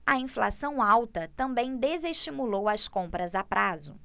a inflação alta também desestimulou as compras a prazo